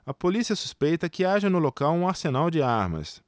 a polícia suspeita que haja no local um arsenal de armas